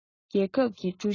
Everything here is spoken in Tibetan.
རྒྱལ ཁབ ཀྱི ཀྲུའུ ཞི